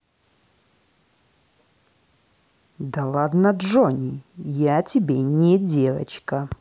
да ладно джонни я тебе не девочка